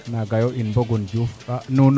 nagayo in mbogun Diouf